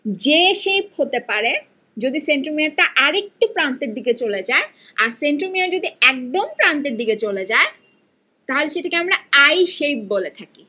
J shape হতে পারে যদি সেন্ট্রোমিয়ার টা আরেকটু প্রান্তের দিকে চলে যায় আর সেন্ট্রোমিয়ার যদি একদম প্রান্তের দিকে চলে যায় তাহলে সেটাকে আমরা আই সেইপ বলে থাকি